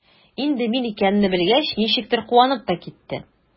Инде мин икәнне белгәч, ничектер куанып та китте.